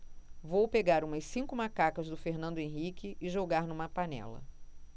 vou pegar umas cinco macacas do fernando henrique e jogar numa panela